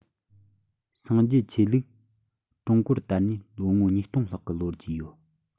སངས རྒྱས ཆོས ལུགས ཀྲུང གོར དར ནས ལོ ངོ ཉིས སྟོང ལྷག གི ལོ རྒྱུས ཡོད